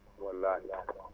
wallaahi